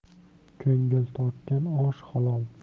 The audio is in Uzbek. ko'ngil tortgan osh halol